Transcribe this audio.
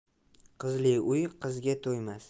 qizli uy qizilga to'ymas